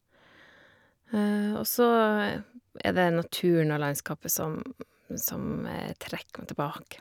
Og så er det naturen og landskapet som som trekker meg tilbake.